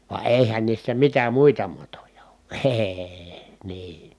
vaan eihän niissä mitä muita matoja ole ei niin